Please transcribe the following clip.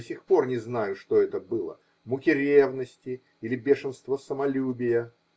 До сих пор не знаю, что это было: муки ревности или бешенство самолюбия.